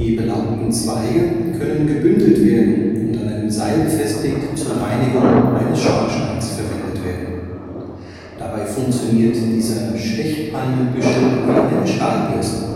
belaubten Zweige können gebündelt werden und an einem Seil befestigt zur Reinigung eines Schornsteins verwendet werden. Dabei funktioniert dieser Stechpalmenbüschel wie eine Stahlbürste